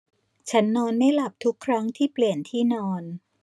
ฉันนอนไม่หลับทุกครั้งที่เปลี่ยนที่นอน